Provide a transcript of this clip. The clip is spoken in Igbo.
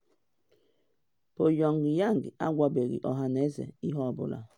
Pyongyang agwabeghị ọhaneze ihe ọ bụla.